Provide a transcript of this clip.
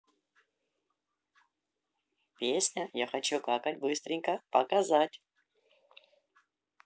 песня я хочу какать быстренько показать